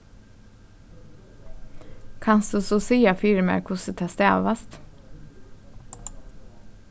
kanst tú so siga fyri mær hvussu tað stavast